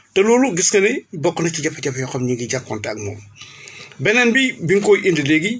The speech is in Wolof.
te loolu gis nga ni bokk na ci jafe-jafe yoo xam ñu ngi jànkuwante ak moom beneen bi bi ñu koy indi léegi